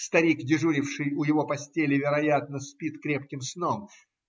старик, дежуривший у его постели, вероятно, спит крепким сном.